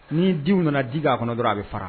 Ni dwi nana di k'a kɔnɔ dɔrɔnw a bɛ fara.